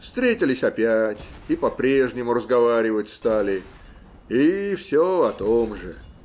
встретились опять и по-прежнему разговаривать стали, и все о том же.